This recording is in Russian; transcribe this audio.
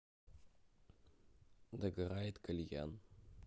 догорает кальян